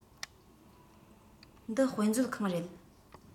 འདི དཔེ མཛོད ཁང རེད